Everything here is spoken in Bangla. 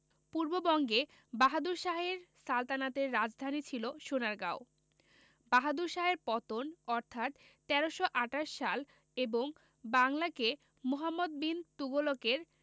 পূর্ববঙ্গে বাহাদুর শাহের সালতানাতের রাজধানী ছিল সোনারগাঁও বাহাদুর শাহের পতন অর্থাৎ ১৩২৮ সাল এবং বাংলাকে মুহাম্মদ বিন তুগলকের